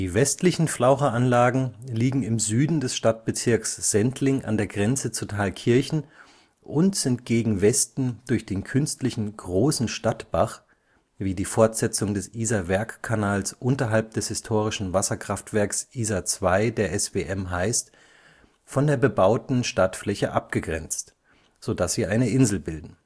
westlichen Flaucheranlagen liegen im Süden des Stadtbezirks Sendling an der Grenze zu Thalkirchen und sind gegen Westen durch den künstlichen Großen Stadtbach, wie die Fortsetzung des Isar-Werkkanals unterhalb des historischen Wasserkraftwerks Isarwerk II der SWM heißt, von der bebauten Stadtfläche abgegrenzt, so dass sie eine Insel bilden